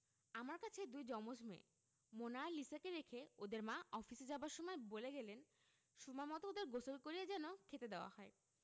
আমার কাছে দুই জমজ মেয়ে মোনা আর লিসাকে রেখে ওদের মা অফিসে যাবার সময় বলে গেলেন সময়মত ওদের গোসল করিয়ে যেন খেতে দেওয়া হয়